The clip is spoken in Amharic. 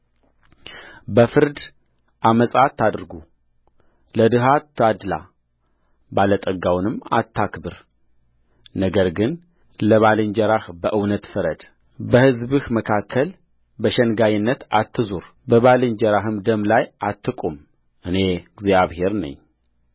በፍርድ ዓመፃ አታድርጉ ለድሀ አታድላ ባለ ጠጋውንም አታክብር ነገር ግን ለባልንጀራህ በእውነት ፍረድበሕዝብህ መካከል በሸንጋይነት አትዙር በባልንጀራህም ደም ላይ አትቁም እኔ እግዚአብሔር ነኝ